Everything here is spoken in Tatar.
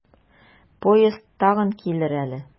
Поезд тагын килер әле.